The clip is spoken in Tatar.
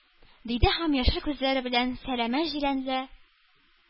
Диде һәм яшел күзләре белән сәләмә җиләнле